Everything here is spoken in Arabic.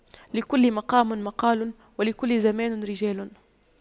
لكل مقام مقال ولكل زمان رجال